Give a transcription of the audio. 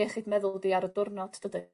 iechyd meddwl di ar y ddiwrnod dydi?